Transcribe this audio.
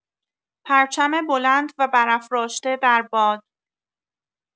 پرچم بلند و برافراشته در باد